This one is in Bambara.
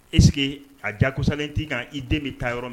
Ese a diyasalen t' ka i den bɛ taa yɔrɔ mɛn